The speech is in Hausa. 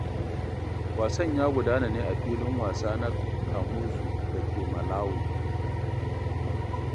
Wasan ya gudana ne a Filin Wasa na Kamuzu da ke Malawi.